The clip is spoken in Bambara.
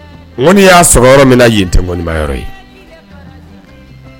Kɔni y'a sɔrɔ yɔrɔ min yen tɛ mɔniba yɔrɔ ye